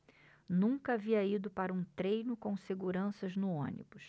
nunca havia ido para um treino com seguranças no ônibus